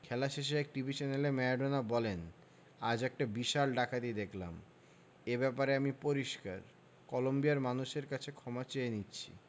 খেলা শেষে এক টিভি চ্যানেলে ম্যারাডোনা বলেন আজ একটা বিশাল ডাকাতি দেখলাম এ ব্যাপারে আমি পরিষ্কার কলম্বিয়ার মানুষের কাছে ক্ষমা চেয়ে নিচ্ছি